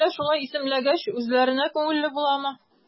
Әллә шулай исемләгәч, үзләренә күңелле буламы?